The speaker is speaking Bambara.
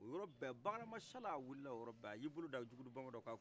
o yɔrɔ bɛɛ bakaramasala wulila o yɔrɔ bɛɛ a y' i bolo da jugudu bamaadɔ kan